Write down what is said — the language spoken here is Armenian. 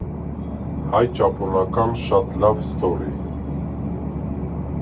Հայ֊ճապոնական շատ լավ սթորի։